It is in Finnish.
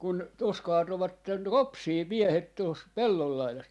kun tuossa kaatoivat ropsia miehet tuossa pellon laidassa